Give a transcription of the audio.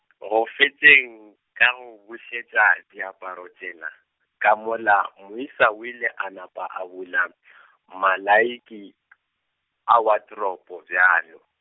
go fetšeng, ka go bušetša diaparo tšela, ka mola moisa o ile a nape a bula , malaiki , a watropo bjalo.